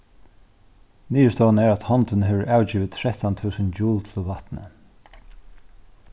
niðurstøðan er at hondin hevur avgivið trettan túsund joule til vatnið